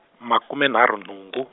makume nharhu nhungu.